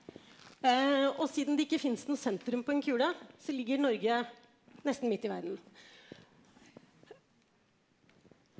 og siden det ikke fins noe sentrum på en kule så ligger Norge nesten midt i verden.